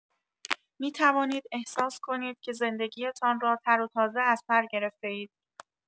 می‌توانید احساس کنید که زندگی‌تان راتر و تازه از سر گرفته‌اید.